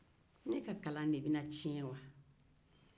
ne ka kalan de bɛna tiɲɛ wa